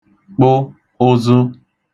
kpụ ụzụ